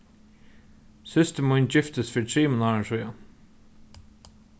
systir mín giftist fyri trimum árum síðan